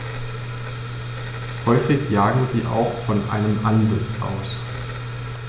Häufig jagen sie auch von einem Ansitz aus.